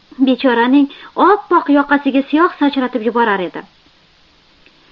bechoraning oppoq yoqasiga siyoh sachratib yuborar edim